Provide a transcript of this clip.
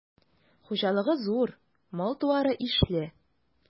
Хуҗалыгы зур, мал-туары ишле.